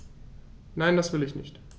Nein, das will ich nicht.